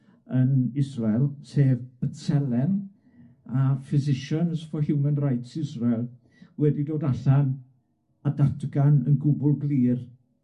yn Israel, sef B'Tselem a Physicians for Human Rights Israel wedi dod allan a datgan yn gwbwl glir